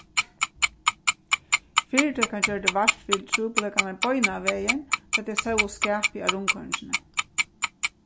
fyritøkan gjørdi vart við trupulleikarnar beinanvegin tá tey sóu skapið á rundkoyringini